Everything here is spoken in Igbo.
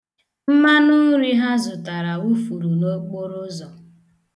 Mmanụnri ha zụtara wufuru n'okporoụzọ.